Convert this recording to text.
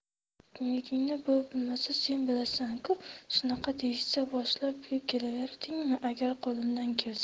kimligimni bu bilmasa sen bilasan ku shunaqa deyishsa boshlab kelaverdingmi agar qo'limdan kelsa